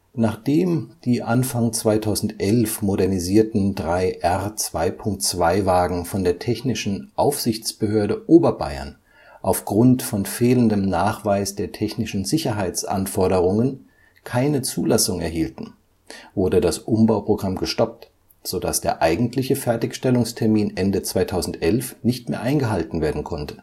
Nachdem die Anfang 2011 modernisierten drei R-2.2-Wagen von der Technischen Aufsichtsbehörde Oberbayern aufgrund von fehlendem Nachweis der technischen Sicherheitsanforderungen keine Zulassung erhielten, wurde das Umbauprogramm gestoppt, sodass der eigentliche Fertigstellungstermin Ende 2011 nicht mehr eingehalten werden konnte